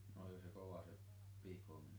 no oliko se kovaa se piikominen